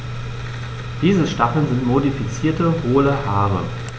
Diese Stacheln sind modifizierte, hohle Haare.